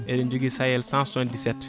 eɗen joogui Sayel177